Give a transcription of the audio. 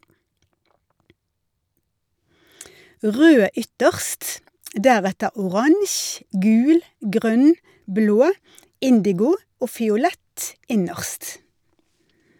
Rød ytterst, deretter oransje, gul, grønn, blå, indigo og fiolett innerst.